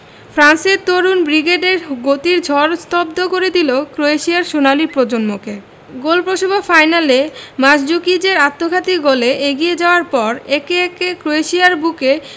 ফ্রান্সের তরুণ ব্রিগেডের গতির ঝড় স্তব্ধ করে দিল ক্রোয়েশিয়ার সোনালি প্রজন্মকে গোলপ্রসবা ফাইনালে মানজুকিচের আত্মঘাতী গোলে এগিয়ে যাওয়ার পর একে একে ক্রোয়েশিয়ার বুকে